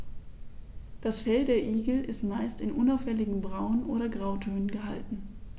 Das Fell der Igel ist meist in unauffälligen Braun- oder Grautönen gehalten.